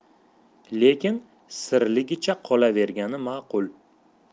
lekin sirligicha qolavergani ma'qul